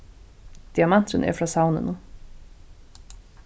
diamanturin er frá savninum